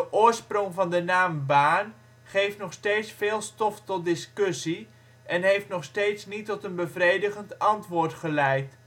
oorsprong van de naam ' Baarn ' geeft nog steeds veel stof tot discussie en heeft nog steeds niet tot een bevredigend antwoord geleid